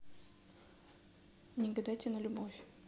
не гадайте на любовь